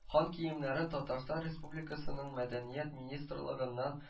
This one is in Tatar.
Хан киемнәрен татарстан республикасының мәдәният министырлыгыннан